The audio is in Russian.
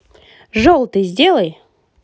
желтый сделай